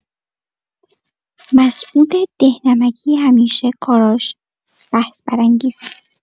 مسعود ده‌نمکی همیشه کاراش بحث‌برانگیزه.